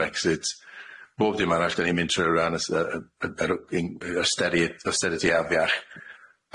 Brexit, bob dim arall dyn ni'n mynd trwy'r ran ys- yy yy yy yng- yy ystere- ystere ti afiach,